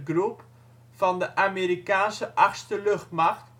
Group van de Amerikaanse Achtste Luchtmacht